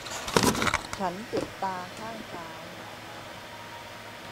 ฉันเจ็บตาข้างซ้าย